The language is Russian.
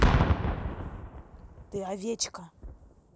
ты овечка